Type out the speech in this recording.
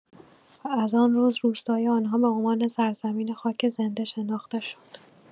و از آن روز، روستای آن‌ها به عنوان سرزمین"خاک زنده"شناخته شد.